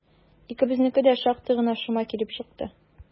Икебезнеке дә шактый гына шома килеп чыкты.